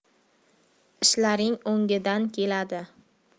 ishlaring o'ngidan keladi